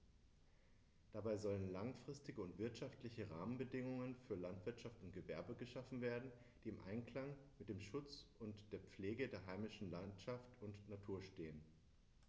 Dabei sollen langfristige und wirtschaftliche Rahmenbedingungen für Landwirtschaft und Gewerbe geschaffen werden, die im Einklang mit dem Schutz und der Pflege der heimischen Landschaft und Natur stehen.